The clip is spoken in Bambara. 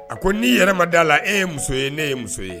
A ko n' yɛrɛma d'a la e ye muso ye ne ye muso ye